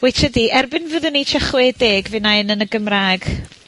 Weitsia di, erbyn fyddwn ni tua chwe deg fy' 'na un yn y Gymrag.